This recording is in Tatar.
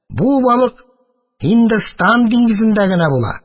Бу балык Һиндстан диңгезендә генә була.